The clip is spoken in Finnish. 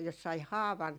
jos sai haavan